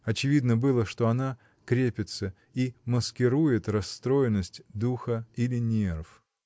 Очевидно было, что она крепится и маскирует расстроенность духа или нерв.